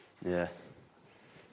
Ie.